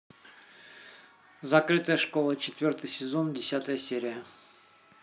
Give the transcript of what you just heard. закрытая школа четвертый сезон десятая серия